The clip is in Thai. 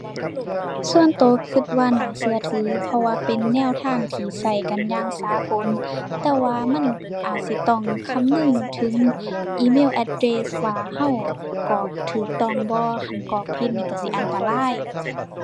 ส่วนตัวตัวว่าน่าตัวถือ เพราะว่าเป็นแนวทางที่ตัวกันอย่างสากล แต่ว่ามันอาจสิต้องคำนึงถึง email address ว่าตัวกรอกตัวต้องบ่ คันกรอกผิดนี่ตัวสิอันตราย